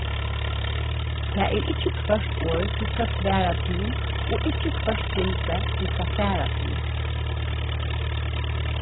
tað er ikki hvørt orð tú skalt svara til og ikki hvørt gildi tú skalt fara til